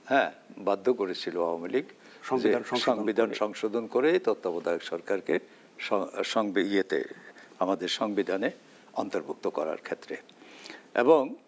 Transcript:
হ্যাঁ বাধ্য করেছিল আওয়ামী লীগ সংবিধান সংশোধন করে তত্ত্বাবধায়ক সরকার কে আমাদের সংবিধানে অন্তর্ভুক্ত করার ক্ষেত্রে এবং